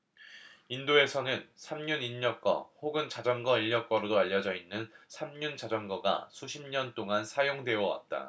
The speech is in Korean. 인도에서는 삼륜 인력거 혹은 자전거 인력거로도 알려져 있는 삼륜 자전거가 수십 년 동안 사용되어 왔다